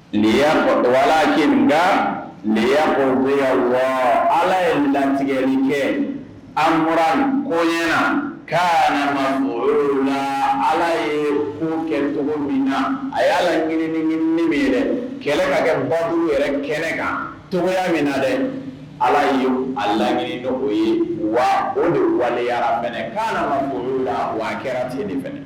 Nin y'a ne y'aya wa ala ye latigɛli kɛ an bɔra ko kanagolo la ala ye kun kɛcogo min na a ye laɲini min yɛrɛ kɛlɛ ka kɛ bɔ yɛrɛ kɛrɛfɛ kan togoya min na dɛ ala ye ala lagɲini ye wa o wale' ala la wa kɛra ti nin fɛ